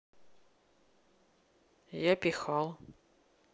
я пихал